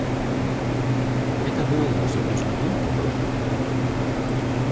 hetta hølið sær út sum eitt hundabøli